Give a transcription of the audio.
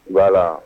Bala